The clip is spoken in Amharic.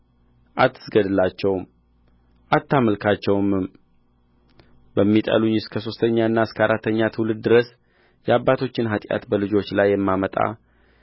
አትስገድላቸው አታምልካቸውምም በሚጠሉኝ እስከ ሦስተኛና እስከ አራተኛ ትውልድ ድረስ የአባቶችን ኃጢአት በልጆች ላይ የማመጣ